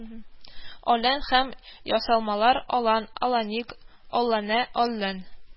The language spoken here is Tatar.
Алэн һәм ясалмалар: Алан, Аланик, Аланнэ, Аллен,